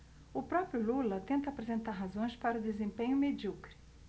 o próprio lula tenta apresentar razões para o desempenho medíocre